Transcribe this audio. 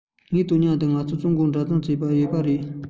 ངེས དང མཉམ དུ ང ཚོ ཀྲུང གོའི འདྲ ཙམ ཡོད པ རེད